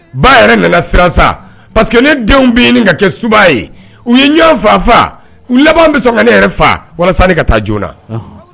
Ba yɛrɛ nana sisan sa parceseke ne denw bɛ kɛ suba ye u ye ɲɔ fa fa laban bɛ ne yɛrɛ fa walasa ka taa joona na